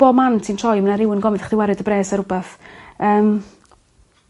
bob man ti'n troi ma' 'na rywun gofyn i chdi wario dy bres ar rwbath yym.